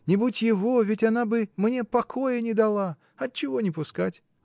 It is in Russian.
не будь его, ведь она бы мне покоя не дала. Отчего не пускать?